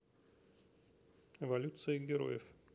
эволюция героев